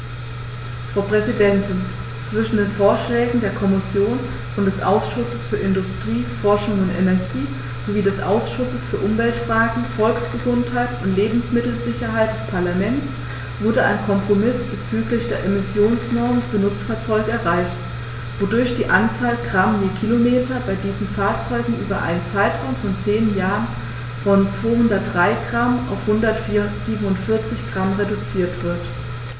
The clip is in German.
Frau Präsidentin, zwischen den Vorschlägen der Kommission und des Ausschusses für Industrie, Forschung und Energie sowie des Ausschusses für Umweltfragen, Volksgesundheit und Lebensmittelsicherheit des Parlaments wurde ein Kompromiss bezüglich der Emissionsnormen für Nutzfahrzeuge erreicht, wodurch die Anzahl Gramm je Kilometer bei diesen Fahrzeugen über einen Zeitraum von zehn Jahren von 203 g auf 147 g reduziert wird.